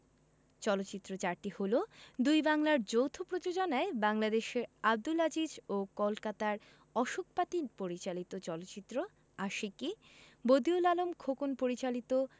চলচ্চিত্র চারটি হলো দুই বাংলার যৌথ প্রযোজনায় বাংলাদেশের আবদুল আজিজ ও কলকাতার অশোক পাতি পরিচালিত চলচ্চিত্র আশিকী বদিউল আলম খোকন পরিচালিত